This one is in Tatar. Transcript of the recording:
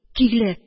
Тиле